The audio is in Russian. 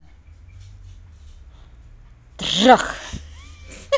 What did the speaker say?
трах